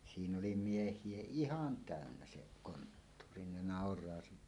siinä oli miehiä ihan täynnä se konttori ne nauraa siinä